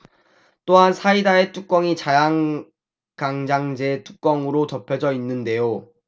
또한 사이다의 뚜껑이 자양강장제 뚜껑으로 덮어져 있었는데요